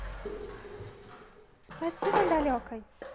спасибо далекой